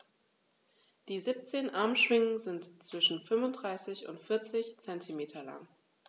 Die 17 Armschwingen sind zwischen 35 und 40 cm lang.